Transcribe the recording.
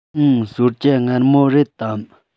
འུན གསོལ ཇ མངར མོ རེད དམ